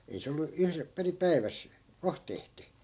ei se ollut - perin päivässä kohta tehty